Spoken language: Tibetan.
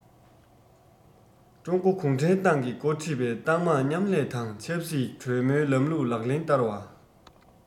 ཀྲུང གོ གུང ཁྲན ཏང གིས འགོ ཁྲིད པའི ཏང མང མཉམ ལས དང ཆབ སྲིད གྲོས མོལ ལམ ལུགས ལག ལེན བསྟར བ